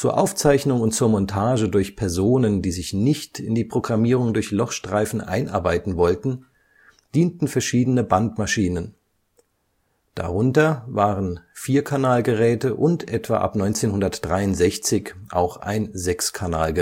Aufzeichnung und zur Montage durch Personen, die sich nicht in die Programmierung durch Lochstreifen einarbeiten wollten, dienten verschiedene Bandmaschinen. Darunter waren Vier-Kanal-Geräte und etwa ab 1963 auch ein Sechs-Kanal-Gerät